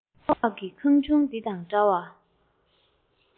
ས འོག གི ཁང ཆུང འདི དང འདྲ བ